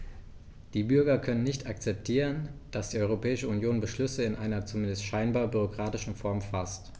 Die Bürger können nicht akzeptieren, dass die Europäische Union Beschlüsse in einer, zumindest scheinbar, bürokratischen Form faßt.